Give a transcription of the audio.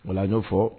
Walalan y'o fɔ